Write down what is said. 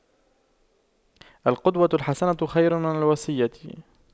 القدوة الحسنة خير من الوصية